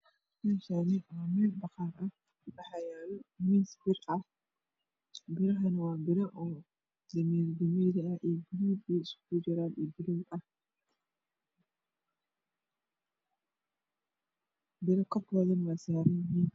Meshani waa meel baqar ah waxaa yalo miis bir ah birahana waa biro dameeri dameeri ah iyo buluug iskugu jira bulug ah biro korkodana waa saran yihiin